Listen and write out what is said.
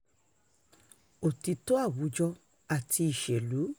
Òtítọ́ Àwùjọ àti Ìṣèlú